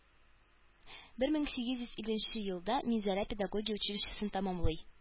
Бер мең сигез йөз илленче елда Минзәлә педагогия училищесын тәмамлый